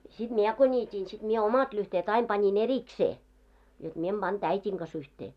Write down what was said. sitten minä kun niitin sitten minä omat lyhteet aina panin erikseen jotta minä en pannut äidin kanssa yhteen